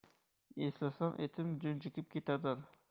eslasam etim junjikib ketadir